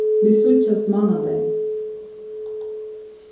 vit síggjast mánadagin